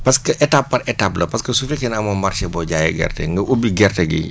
parce que étape par étape la parce que su fekkee amoo marché boo jaayee gerte nga ubbi gerte gi